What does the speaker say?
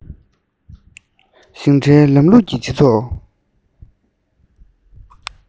ཞིང ཕྲན ལམ ལུགས ཀྱི སྤྱི ཚོགས